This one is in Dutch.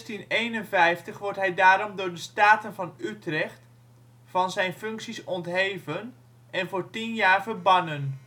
In 1651 wordt hij daarom door de Staten van Utrecht van zijn functies ontheven en voor tien jaar verbannen